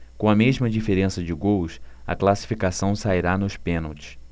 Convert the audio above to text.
com a mesma diferença de gols a classificação sairá nos pênaltis